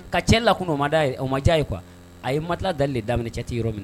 Ka cɛ la ko o ye o ma diya ye kuwa a ye mala da de daminɛ cɛ tɛ yɔrɔ minna na